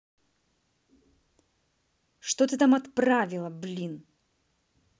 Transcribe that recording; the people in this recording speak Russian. что ты там отправила блин